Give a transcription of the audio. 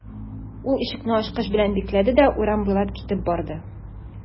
Ул ишекне ачкыч белән бикләде дә урам буйлап китеп барды.